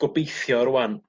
gobeithio rŵan